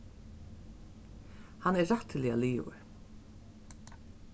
hann er rættiliga liðugur